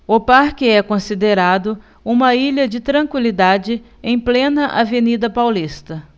o parque é considerado uma ilha de tranquilidade em plena avenida paulista